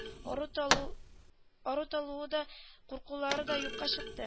Ару-талуы да куркулары да юкка чык